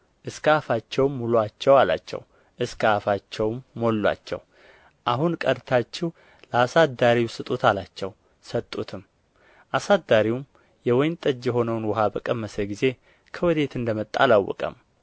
እስከ አፋቸውም ሙሉአቸው አላቸው እስከ አፋቸውም ሞሉአቸው አሁን ቀድታችሁ ለአሳዳሪው ስጡት አላቸው ሰጡትም አሳዳሪውም የወይን ጠጅ የሆነውን ውሃ በቀመሰ ጊዜ ከወዴት እንደ መጣ አላወቀም